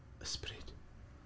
Ysbryd?